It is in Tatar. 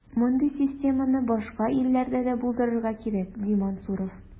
Мондый системаны башка илләрдә дә булдырырга кирәк, ди Мансуров.